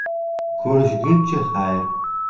ko'rishguncha xayr